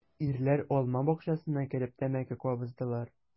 Ирләр алма бакчасына кереп тәмәке кабыздылар.